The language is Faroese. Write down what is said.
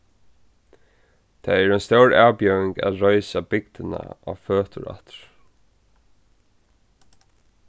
tað er ein stór avbjóðing at reisa bygdina á føtur aftur